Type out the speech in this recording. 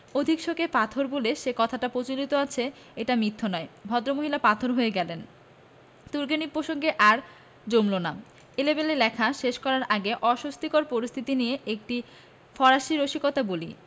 অধিক শোকে পাথর বলে যে কথাটা প্রচলিত আছে সেটা মিথ্যা নয় ভদ্র মহিলা পাথর হয়ে গেলেন তুর্গেনিভ প্রসঙ্গ আর জমল না এলেবেলে লেখা শেষ করার আগে অস্বস্তিকর পরিস্থিতি নিয়ে একটি ফরাসি রসিকতা বলি